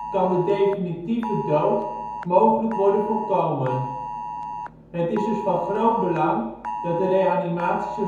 kan de definitieve dood mogelijk worden voorkomen. Het is dus van groot belang dat de reanimatie